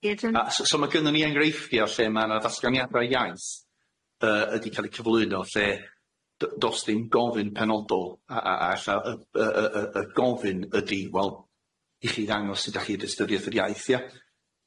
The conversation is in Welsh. Ie dwi'n So so ma' gynnon ni engreiffie o lle ma' na ddatganiada iaith yy ydi ca'l i cyflwyno lle d- do's dim gofyn penodol a a a ella y y y y gofyn ydi wel i chi ddangos sud dach chi'r ystyriaeth yr iaith ia?